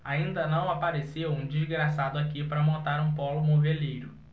ainda não apareceu um desgraçado aqui para montar um pólo moveleiro